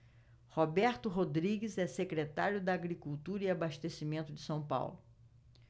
roberto rodrigues é secretário da agricultura e abastecimento de são paulo